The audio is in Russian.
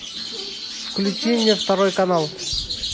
включи мне второй канал